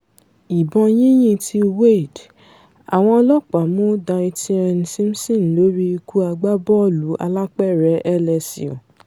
Ìbọn yínyín ti Wayde: Àwọn ọlọ́ọ̀pá mú Dyteon Simpson lórí ikú agbábọ́ọ̀lù alápẹ̀rẹ̀ LSU